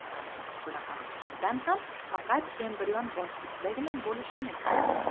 bunaqasi chindan ham faqat embrion bosqichidagina bo'lishi mumkin